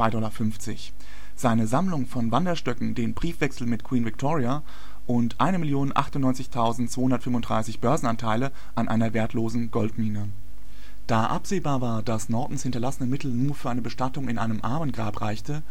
2,50$, seine Sammlung von Wanderstöcken, den Briefwechsel mit Queen Victoria und 1.098.235 Börsenanteile an einer wertlosen Goldmine. Da absehbar war, dass Nortons hinterlassene Mittel nur für eine Bestattung in einem Armengrab reichte